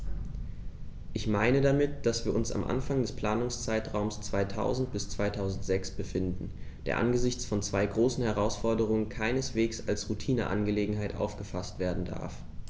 Ich meine damit, dass wir uns am Anfang des Planungszeitraums 2000-2006 befinden, der angesichts von zwei großen Herausforderungen keineswegs als Routineangelegenheit aufgefaßt werden darf.